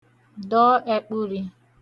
dọ ẹ̄kpụ̄rị̄